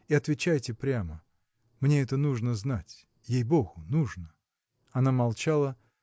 и отвечайте прямо: мне это нужно знать, ей-богу, нужно. Она молчала